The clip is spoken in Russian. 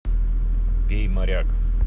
пей моряк